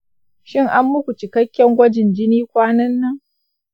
shin an muku cikakken gwajin jini kwanan nan?